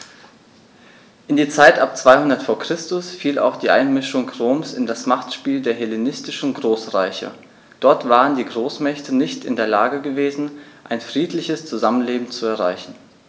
In die Zeit ab 200 v. Chr. fiel auch die Einmischung Roms in das Machtspiel der hellenistischen Großreiche: Dort waren die Großmächte nicht in der Lage gewesen, ein friedliches Zusammenleben zu erreichen.